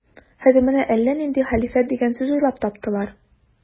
Хәзер менә әллә нинди хәлифәт дигән сүз уйлап таптылар.